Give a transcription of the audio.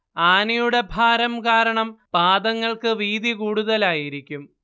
ആനയുടെ ഭാരം കാരണം പാദങ്ങൾക്ക് വീതി കൂടുതലായിരിക്കും